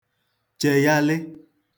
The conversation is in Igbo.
chèyalị